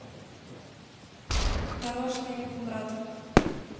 дорожные ленинград